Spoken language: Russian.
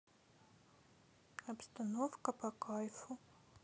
обстановка по кайфу